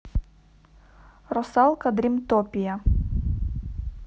русалка дримтопия